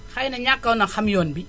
xay na ñàkkoon a xam yoon bi